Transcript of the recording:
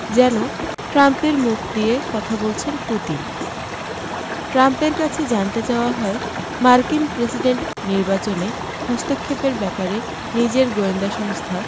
যেন ট্রাম্পের মুখ দিয়ে কথা বলছেন পুতিন ট্রাম্পের কাছে জানতে চাওয়া হয় মার্কিন প্রেসিডেন্ট নির্বাচনে হস্তক্ষেপের ব্যাপারে নিজের গোয়েন্দা সংস্থা